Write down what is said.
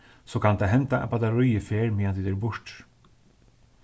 so kann tað henda at battaríið fer meðan tit eru burtur